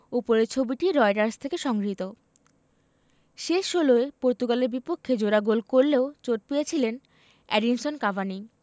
ওপরের ছবিটি রয়টার্স থেকে সংগৃহীত শেষ ষোলোয় পর্তুগালের বিপক্ষে জোড়া গোল করলেও চোট পেয়েছিলেন এডিনসন কাভানি